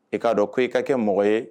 I k'a dɔn ko e ka kɛ mɔgɔ ye